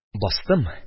Бастым.